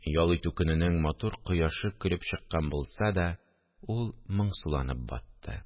Ял итү көненең матур кояшы көлеп чыккан булса да, ул моңсуланып батты